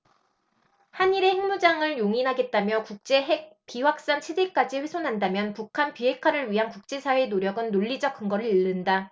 한 일의 핵무장을 용인하겠다며 국제 핵 비확산 체제까지 훼손한다면 북한 비핵화를 위한 국제사회의 노력은 논리적 근거를 잃는다